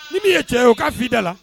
Ni mini ye cɛ ye o ka fili da la